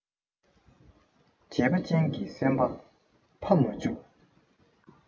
བྱས པ ཅན གྱི སེམས པ ཕམ མ བཅུག